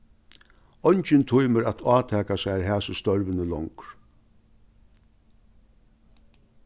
eingin tímir at átaka sær hasi størvini longur